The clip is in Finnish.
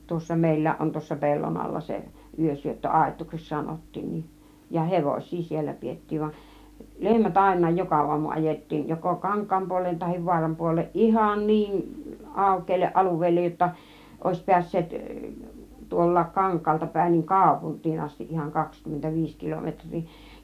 tuossa meilläkin on tuossa pellon alla se - yösyöttöaitaukseksi sanottiin niin ja hevosia siellä pidettiin vaan lehmät ainakin joka aamu ajettiin joko kankaan puoleen tai vaaran puoleen ihan niin aukealle alueelle jotta olisi päässeet tuollakin kankaalta päin niin kaupunkiin asti ihan kaksikymmentä viisi kilometriä